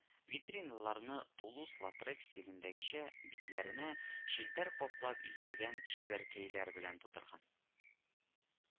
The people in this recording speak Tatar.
Витриналарны тулуз лотрек стилендәгечә битләренә челтәр каплап изрәгән чибәркәйләр белән тутырган